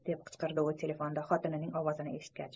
deb qichqirdi u telefonda xotinining ovozini eshitgach